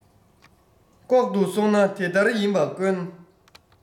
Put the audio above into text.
ལྐོག ཏུ སོང ན དེ ལྟར ཡིན པ དཀོན